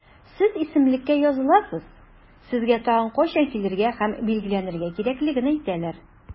Сез исемлеккә языласыз, сезгә тагын кайчан килергә һәм билгеләнергә кирәклеген әйтәләр.